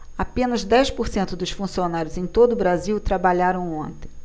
apenas dez por cento dos funcionários em todo brasil trabalharam ontem